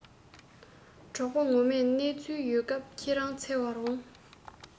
གྲོགས པོ ངོ མས གནས ཚུལ ཡོད སྐབས ཁྱེད རང འཚོལ བར འོང